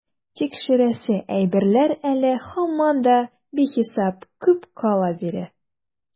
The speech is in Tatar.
Тикшерәсе әйберләр әле һаман да бихисап күп кала бирә.